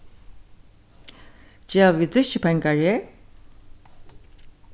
geva vit drykkjupengar her